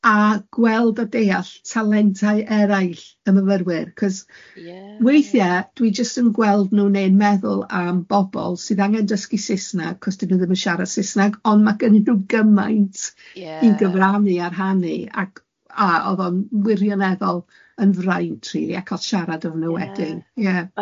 A gweld a deall talentau eraill y myfyrwyr, cys... Ie. ...weithie dwi jyst yn gweld nhw'n un meddwl am bobl sydd angen dysgu Saesneg, achos dan nhw ddim yn siarad Saesneg, ond ma' gennyn nhw gymaint... ie. ...i gyfrannu a rhannu, ac a oedd o'n wirioneddol yn fraint rili a cael siarad efo nhw wedyn, ie.